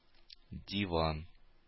Диван